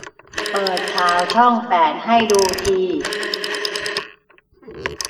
เปิดข่าวช่องแปดให้ดูที